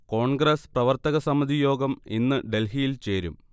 കോൺഗ്രസ് പ്രവർത്തക സമിതി യോഗം ഇന്ന് ഡൽഹിയിൽ ചേരും